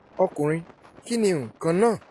Ọkùnrin: ''Kínni ǹkan náà?''